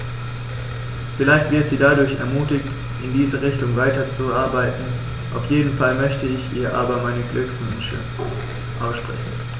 Vielleicht wird sie dadurch ermutigt, in diese Richtung weiterzuarbeiten, auf jeden Fall möchte ich ihr aber meine Glückwünsche aussprechen.